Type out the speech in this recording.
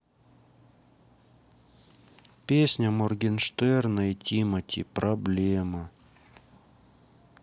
песня моргенштерна и тимати проблема